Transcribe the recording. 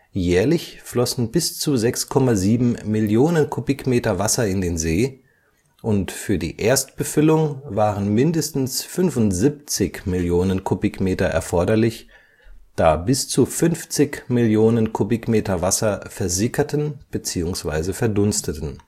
Jährlich flossen bis zu 6,7 Millionen Kubikmeter Wasser in den See, und für die Erstbefüllung waren mindestens 75 Millionen Kubikmeter erforderlich, da bis zu 50 Millionen Kubikmeter Wasser versickerten bzw. verdunsteten